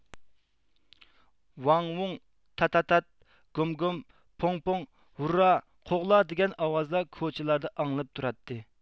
ۋاڭ ۋۇڭ تا تا تات گوم گۇم پوڭ پوڭ ھۇررا قوغلا دىگەن ئاۋازلار كوچىلاردا ئاڭلىنىپ تۇراتتى